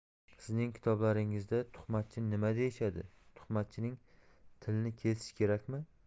sizning kitoblaringizda tuhmatchini nima deyishadi tuhmatchining tilini kesish kerakmi